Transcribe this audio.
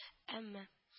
Әмма